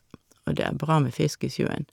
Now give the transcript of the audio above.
Og det er bra med fisk i sjøen.